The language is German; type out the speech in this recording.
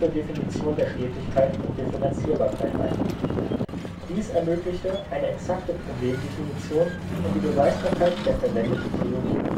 Definition der Stetigkeit und Differenzierbarkeit ein. Dies ermöglichte eine exakte Problemdefinition und die Beweisbarkeit der verwendeten Theorien